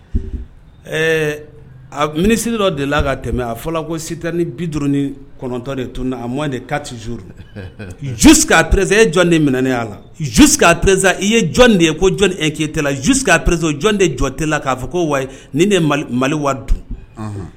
A minisiri dɔ de la ka tɛmɛ a ko sita ni bid ni kɔnɔntɔn de to a kati zuru jo kze e ye jɔn de minɛnya la kz i ye jɔn de ye ko jɔn ee tɛ la k'a pɛz jɔn de jɔn tɛla k kaa fɔ ko wa ni mali waa dun